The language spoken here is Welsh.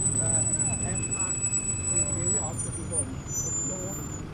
Yy, er ma' ryw liw od ydi hwn, o- mi o'dd y